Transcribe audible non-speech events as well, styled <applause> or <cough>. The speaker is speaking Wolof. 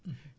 <hesitation> <hesitation>